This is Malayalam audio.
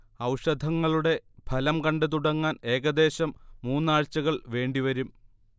ഔഷധങ്ങളുടെ ഫലം കണ്ടുതുടങ്ങാൻ ഏകദേശം മൂന്നാഴ്ചകൾ വേണ്ടിവരും